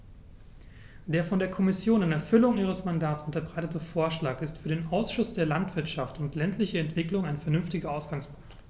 Der von der Kommission in Erfüllung ihres Mandats unterbreitete Vorschlag ist für den Ausschuss für Landwirtschaft und ländliche Entwicklung ein vernünftiger Ausgangspunkt.